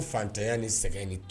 Fantanya ni sɛgɛn ni0